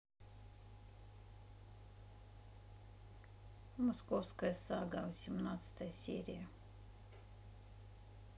московская сага восемнадцатая серия